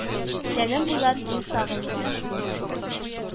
Тәнем буйлап мин сагынган